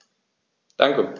Danke.